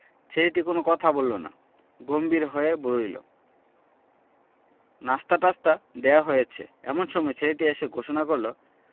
ছেলেটি কোন কথা বলল না গম্ভীর হয়ে রইল নশিতাটাসতা দেয়া হয়েছে এমন সময় ছেলেটি এসে ঘোষণা করল